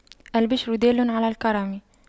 الْبِشْرَ دال على الكرم